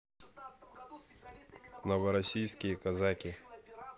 новороссийские казаки